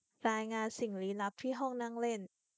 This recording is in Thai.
รายงานสิ่งลี้ลับที่ห้องนั่งเล่น